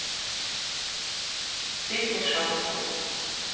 песни шансон